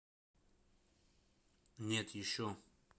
нет еще